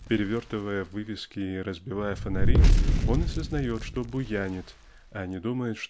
Перевертывая вывески и разбивая фонари он и сознает что буянит а не думает